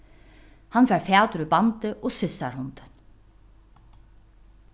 hann fær fatur í bandið og sissar hundin